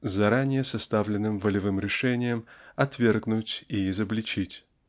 с заранее составленным волевым решением отвергнуто и изобличить.